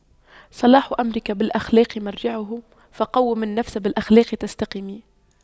صلاح أمرك بالأخلاق مرجعه فَقَوِّم النفس بالأخلاق تستقم